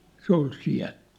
se oli siellä